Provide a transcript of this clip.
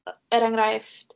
Er enghraifft...